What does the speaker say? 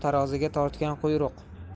taroziga tortgan quyruq